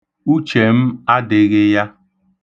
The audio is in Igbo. Uche m adịghị ya.